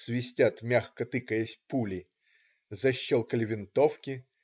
- свистят, мягко тыкаясь, пули. Защелкали винтовки.